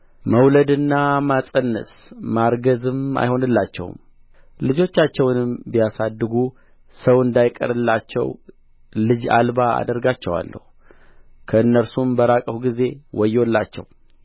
መውለድና መፅነስ ማርገዝም አይሆንላቸውም ልጆቻቸውንም ቢያሳድጉ ሰው እንዳይቀርላቸው ልጅ አልባ አደረጋቸዋለሁ ከእነርሱም በራቅሁ ጊዜ ወዮላቸው